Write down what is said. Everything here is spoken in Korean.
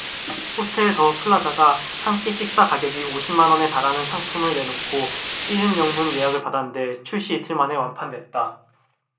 호텔 더 플라자는 한 끼 식사 가격이 오십 만원에 달하는 상품을 내놓고 일흔 명분 예약을 받았는데 출시 이틀 만에 완판됐다